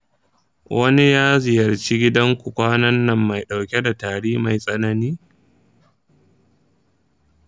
wani ya ziyarci gidanku kwanan nan mai ɗauke da tari mai tsanani?